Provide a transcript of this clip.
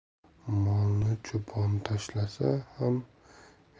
molni cho'pon tashlasa